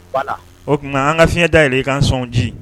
Voilà o tuma an ŋa fiɲɛ dayɛlɛ i k'an sɔn ji